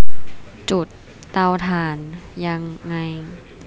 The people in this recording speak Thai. จุดเตาถ่านยังไง